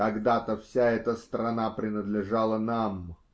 -- Когда-то вся эта страна принадлежала нам.